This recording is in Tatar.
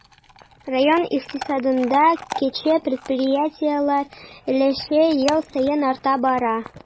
Район икътисадында кече предприятиеләр өлеше ел саен арта бара.